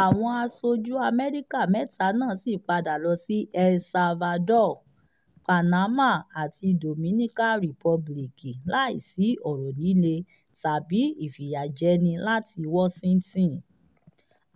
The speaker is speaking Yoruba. Agbẹnusọ fún White House Ọ̀gbẹ́ni Bolton kọ̀ láti sọ̀rọ̀ lórí àlàyé àríyànjiyàn tí